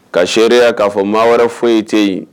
Ka se k'a fɔ maa wɛrɛ foyi ye tɛ yen